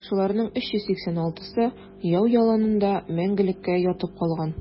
Шуларның 386-сы яу яланында мәңгелеккә ятып калган.